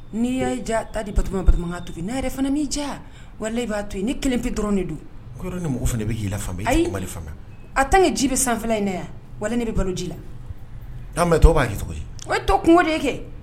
N'i ya diya ta'di Batɔma man, Batɔma k'a tobi, n'a yɛrɛ fana m'i diya wallahi i b'a to yen. Ne kelen pe dɔrɔnw de don en tant que ji bɛ sanfɛla in na yan wallahi ne bɛ balo ji la , yɔrɔ ni mɔgɔ bɛ e lafaamuya,i tɛ kuma mɛn , ɔ mais tɔw b'a cogo? O ye tɔw kungo de ye kɛ.